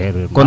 erreurs maak